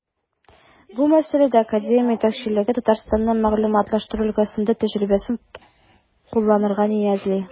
Бу мәсьәләдә академия җитәкчелеге Татарстанның мәгълүматлаштыру өлкәсендә тәҗрибәсен кулланырга ниятли.